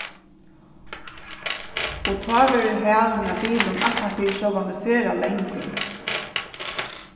og tá verður halin av bilum aftanfyri sjálvandi sera langur